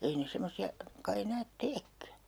ei ne semmoisia kai enää teekään